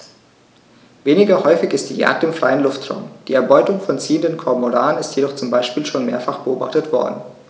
Weniger häufig ist die Jagd im freien Luftraum; die Erbeutung von ziehenden Kormoranen ist jedoch zum Beispiel schon mehrfach beobachtet worden.